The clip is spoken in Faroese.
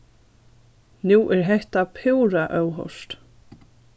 nú er hetta púra óhoyrt